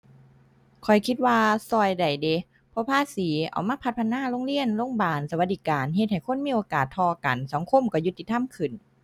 ข้อยคิดว่าช่วยได้เดะ เพราะภาษีเอามาพัฒนาโรงเรียน โรงบาล สวัสดิการ เฮ็ดให้คนมีโอกาสเท่ากัน สังคมช่วยยุติธรรมขึ้น